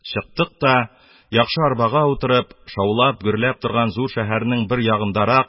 Чыктык та, яхшы арбага утырып, шаулап, гөрләп торган шәһәрнең бер ягындарак